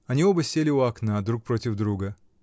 Они оба сели у окна друг против друга.